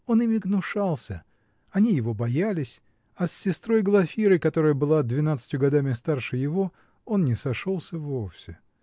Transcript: он ими гнушался, они его боялись, а с сестрой Глафирой, которая была двенадцатью годами старше его, он не сошелся вовсе.